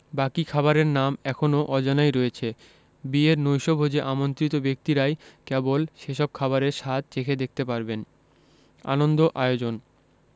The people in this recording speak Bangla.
বাকি খাবারের নাম এখনো অজানাই রয়েছে বিয়ের নৈশভোজে আমন্ত্রিত ব্যক্তিরাই কেবল সেসব খাবারের স্বাদ চেখে দেখতে পারবেন আনন্দ আয়োজন